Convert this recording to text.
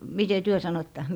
miten te sanoitte